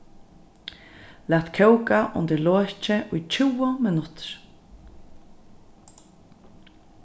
lat kóka undir loki í tjúgu minuttir